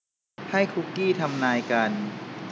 ให้คุกกี้ทำนายกัน